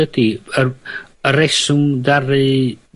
yd y y reswm ddaru